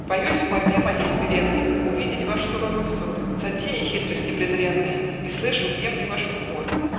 Боюсь: в мольбе моей смиренной Увидит ваш суровый взор Затеи хитрости презренной - И слышу гневный ваш укор.